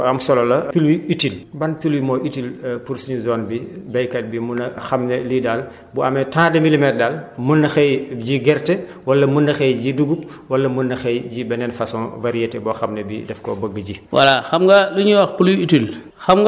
jërëjëf am na baat bi nga wax sànq bu am solo la pluie utile ban pluie moo utile pour suñu zone bii béykat bi mun a xam ne lii daal bu amee tant de milimètre daal mun na xëy ji gerte wala mun na xëy ji dugub wala mun na xëy ji beneen façon variété boo xam ne bi daf ko bëgg ji